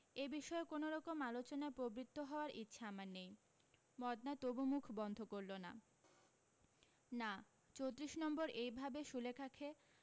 এ বিষয়ে কোনোরকম আলোচনায় প্রবৃত্ত হওয়ার ইচ্ছা আমার নেই মদনা তবু মুখ বন্ধ করলো না না চোত্রিশ নম্বর এইভাবে সুলেখাকে